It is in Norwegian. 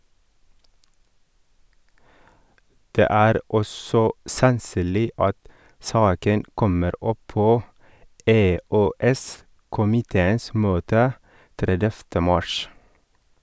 Det er også sannsynlig at saken kommer opp på EØS- komiteens møte 30. mars.